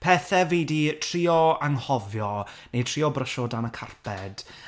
Pethe fi 'di trio anghofio, neu trio brysio o dan y carped.